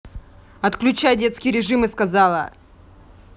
отключай детский режим и сказала